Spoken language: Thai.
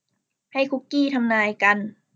ให้คุกกี้ทำนายกัน